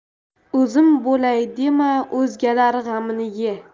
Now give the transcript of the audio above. o'zim bo'lay dema o'zgalar g'amini ye